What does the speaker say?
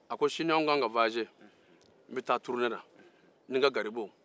a ko sini ne ni na garibuw ka kan ka taa taama na